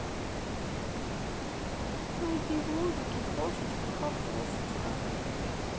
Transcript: найди в музыке крошечка хаврошечка